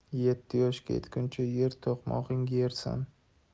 yetti yoshga yetguncha yer to'qmog'in yersan